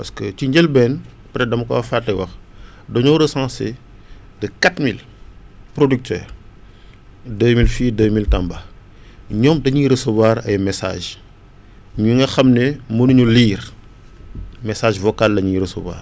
parce que ci njëlbeen peut être dama koo fàttee wax dañoo recenser de quatre mille producteurs deux mille fii deux mille Tamba ñoom dañuy recevoir ay messages ñu nga xam ne munuñu lire message vocal la ñuy recevoir